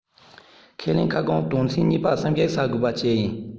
ཁས ལེན ཁ སྐོང དོན ཚན གཉིས པ བསམ ཞིབ བྱ དགོས པ བཅས ཡིན